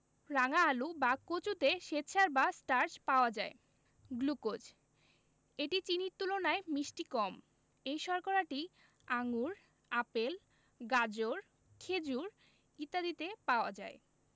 রাঙা আলু বা কচুতেও শ্বেতসার বা স্টার্চ পাওয়া যায় গ্লুকোজ এটি চিনির তুলনায় মিষ্টি কম এই শর্করাটি আঙুর আপেল গাজর খেজুর ইত্যাদিতে পাওয়া যায়